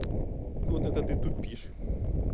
вот это ты тупишь